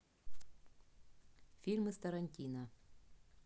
фильмы с тарантино